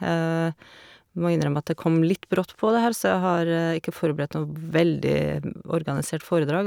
Må innrømme at det kom litt brått på, det her, så jeg har ikke forberedt noe veldig organisert foredrag.